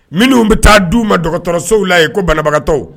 Minnu bɛ taa di u ma dɔgɔtɔrɔsow la ye ko banabagatɔw